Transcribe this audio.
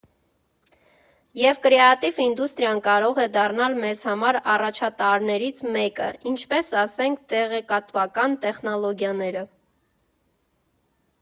Եվ կրեատիվ իդնուստրիան կարող է դառնալ մեզ համար առաջատարներից մեկը, ինչպես, ասենք, տեղեկատվական տեխնոլոգիաները։